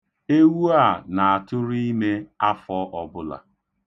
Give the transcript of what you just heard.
Ewu a na-atụrụ ime afọ ọbụla.